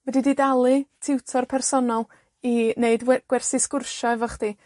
di dalu tiwtor personol i neud we- gwersi sgwrsio efo chdi.